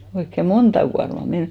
oikein monta kuormaa meni